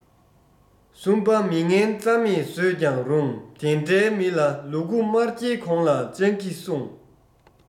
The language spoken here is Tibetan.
གསུམ པ མི ངན རྩ མེད བཟོས ཀྱང རུང དེ འདྲའི མི ལ དེ འདྲའི མི ལ ལུ གུ མ འཁྱེར གོང ལ སྤྱང ཀི སྲུངས